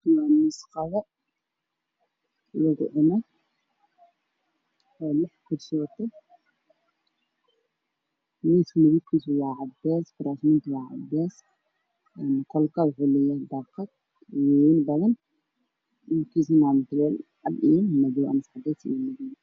Waxaa ii muuqda lix kuraas iyo miis oo aan waxba saarneyn kuraasta midafkooda waa caddays hoos kaga hadlay miiska sidoo kale waxaan u agdhow muraayad daaqad ah